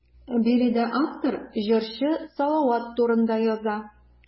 Биредә автор җырчы Салават турында яза.